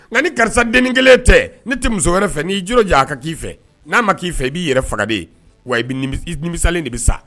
Nka ni karisadenin kelen tɛ ne tɛ muso wɛrɛ fɛ n'i juru jan a ka k'i fɛ n'a ma'i fɛ i b'i yɛrɛ faga de wamisa de bɛ sa